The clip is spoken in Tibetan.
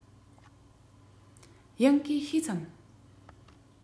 དབྱིན སྐད ཤེས སམ